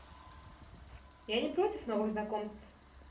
я не против новых знакомств